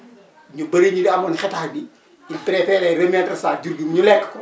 ñu bëri ñu ngi amoon xetax gi ils préferaient remettre ça jur gi ñu lekk ko